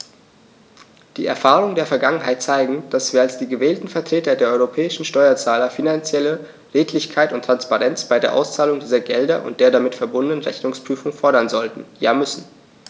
Die Erfahrungen der Vergangenheit zeigen, dass wir als die gewählten Vertreter der europäischen Steuerzahler finanzielle Redlichkeit und Transparenz bei der Auszahlung dieser Gelder und der damit verbundenen Rechnungsprüfung fordern sollten, ja müssen.